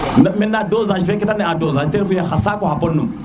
maintenant dosage fe kete ne a dosage te refu ye xa saaku xa pod num